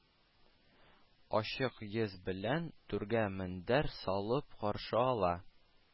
Ачык йөз белән, түргә мендәр салып каршы ала